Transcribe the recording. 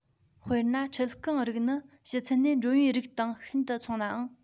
དཔེར ན འཁྲིལ རྐང རིགས ནི ཕྱི ཚུལ ནས འགྲོན བུའི རིགས དང ཤིན ཏུ མཚུངས ནའང